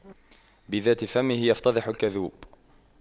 بذات فمه يفتضح الكذوب